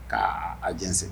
K' a jɛse